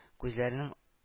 Күзләренең